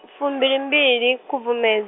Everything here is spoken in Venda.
fumbilimbili khubvume-.